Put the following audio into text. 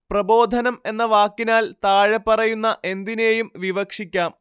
പ്രബോധനം എന്ന വാക്കിനാൽ താഴെപ്പറയുന്ന എന്തിനേയും വിവക്ഷിക്കാം